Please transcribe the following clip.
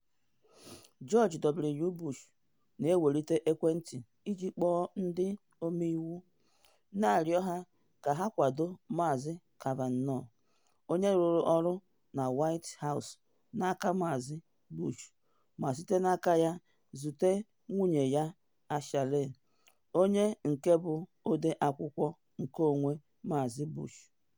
George W. Bush na ewelite ekwentị iji kpọọ Ndị Ọmeiwu, na arịọ ha ka ha kwado Maazị Kavanaugh, onye rụrụ ọrụ na White House n’aka Maazị Bush ma site n’aka ya zute nwunye ya Ashley, onye nke bụ ọde akwụkwọ nkeonwe Maazị Bush.